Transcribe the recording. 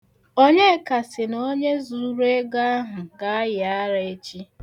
Onyeka sị na onye zuru ego ahụ ga-ayị ara echi.